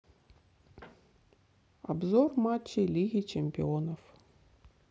обзор матчей лиги чемпионов